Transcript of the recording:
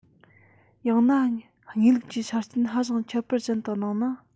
ཡང ན དངོས ལུགས ཀྱི ཆ རྐྱེན ཧ ཅང ཁྱད པར ཅན དུ སྣང ན